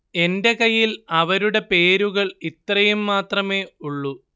എന്റെ കയ്യില്‍ അവരുടെ പേരുകള്‍ ഇത്രയും മാത്രമേ ഉള്ളൂ